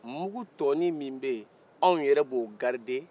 mugu tɔnin min bɛ ye anw yɛrɛ b'o garide